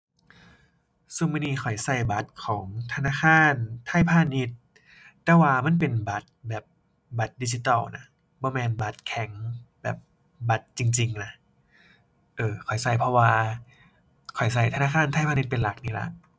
ซุมื้อนี้ข้อยใช้บัตรของธนาคารไทยพาณิชย์ แต่ว่ามันเป็นบัตรแบบบัตรดิจิทัลน่ะ บ่แม่นบัตรแข็งแบบบัตรจริงจริงน่ะ เอ้อ ข้อยใช้เพราะว่า ข้อยใช้ธนาคารไทยพาณิชย์เป็นหลักนี่ล่ะ